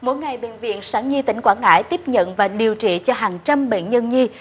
mỗi ngày bệnh viện sản nhi tỉnh quảng ngãi tiếp nhận và điều trị cho hàng trăm bệnh nhân nhi